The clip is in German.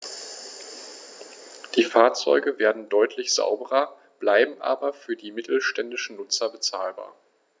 Die Fahrzeuge werden deutlich sauberer, bleiben aber für die mittelständischen Nutzer bezahlbar.